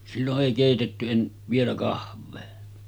silloin ei keitetty - vielä kahvia